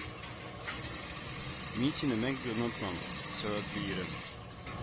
Мин сине мәңге онытмам, сәвекле ирем